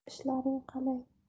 ishlaring qalay